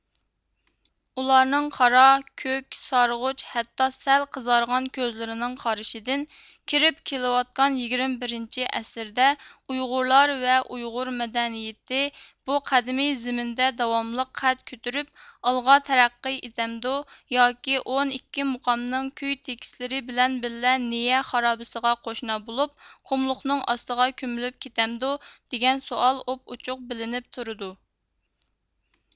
ئۇلارنىڭ قارا كۆك سارغۇچ ھەتتا سەل قىزارغان كۆزلىرىنىڭ قارىشىدىن كىرىپ كېلىۋاتقان يىگىرمە بىرىنچى ئەسىردە ئۇيغۇرلار ۋە ئۇيغۇر مەدەنىيىتى بۇ قەدىمىي زېمىندە داۋاملىق قەد كۆتۈرۈپ ئالغا تەرەققىي ئېتەمدۇ ياكى ئون ئىككى مۇقامنىڭ كۈي تېكىستلىرى بىلەن بىللە نىيە خارابىسىغا قوشنا بولۇپ قۈملۇقنىڭ ئاستىغا كۆمۈلۈپ كېتەمدۇ دېگەن سوئال ئوپئوچۇق بىلىنىپ تۇرىدۇ